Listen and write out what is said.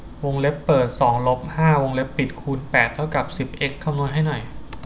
วงเล็บเปิดสองลบห้าวงเล็บปิดคูณแปดเท่ากับสิบเอ็กซ์คำนวณให้หน่อย